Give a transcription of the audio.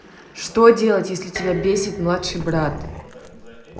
что делать если бесит младший брат